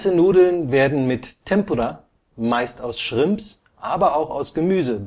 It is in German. Nudeln werden mit Tempura – meist aus Shrimps, aber auch aus Gemüse